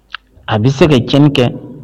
A bɛ se ka tiɲɛni kɛ